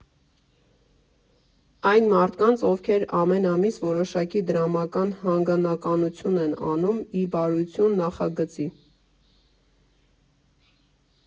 Այն մարդկանց, ովքեր ամեն ամիս որոշակի դրամական հանգանակություն են անում՝ ի բարօրություն նախագծի։